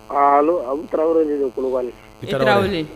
Haalo Abu tarawere de don Kodowari. I Tarawere.